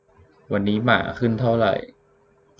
วันนี้หมาขึ้นเท่าไหร่